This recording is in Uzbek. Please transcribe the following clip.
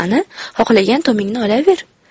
ana xohlagan tomingni olaver